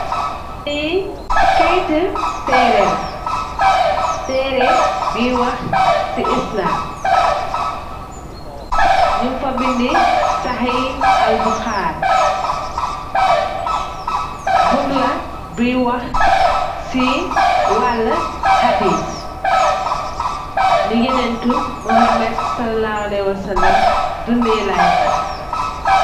Li kayti tereh la tereh boi wah si Islam nyun fa benda Sahil Al Buhari book la boi wah si wala Hadith ni yonatu Muhammad SAW dunde life faam.